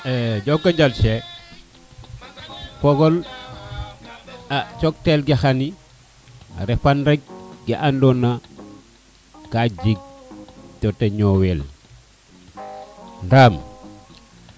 e jokonjal Cheikh fogon a coktel ke xani a refan rek ke andoon na ka jeg toto ñowel ndaam